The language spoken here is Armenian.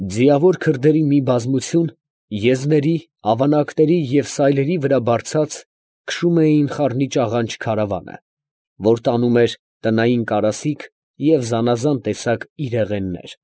Ձիավոր քրդերի մի բազմություն, եզների, ավանակների և սայլերի վրա բարձած, քշում էին խառնիճաղանճ քարավանը, որ տանում էր տնային կարասիք և զանազան տեսակ իրեղեններ։